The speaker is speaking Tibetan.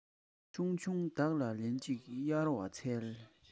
ཆུང ཆུང བདག ལ ལེན ཅིག གཡར བར འཚལ